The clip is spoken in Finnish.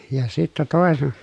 ja sitten -